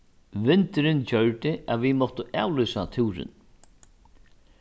vindurin gjørdi at vit máttu avlýsa túrin